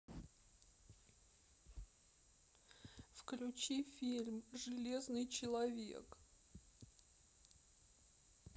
включи фильм железный человек